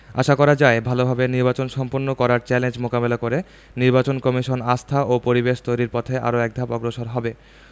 আশা করা যায় ভালোভাবে নির্বাচন সম্পন্ন করার চ্যালেঞ্জ মোকাবেলা করে নির্বাচন কমিশন আস্থা ও পরিবেশ তৈরির পথে আরো একধাপ অগ্রসর হবে